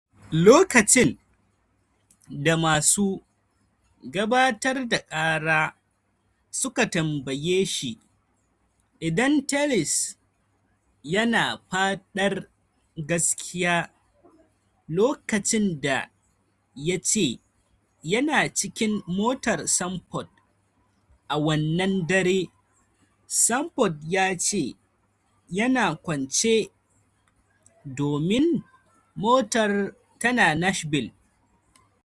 Lokacin da masu gabatar da kara suka tambaye shi idan Tellis yana faɗar gaskiya lokacin da ya ce yana cikin motar Sanford a wannan dare, Sanford ya ce yana "kwance, domin motar tana Nashville."